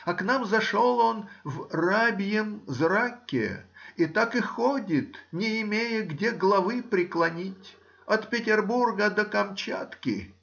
а к нам зашел он в рабьем зраке и так и ходит, не имея где главы приклонить от Петербурга до Камчатки.